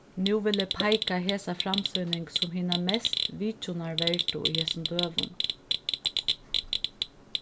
nú vil eg peika hesa framsýning sum hina mest vitjunarverdu í hesum døgum